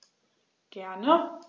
Gerne.